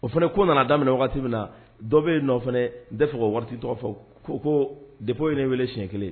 O fana ko nana daminɛ wagati min na dɔ bɛ yen fana n de fɔ waati tɔgɔ fɔ ko ko dep ye ne wele siɲɛ kelen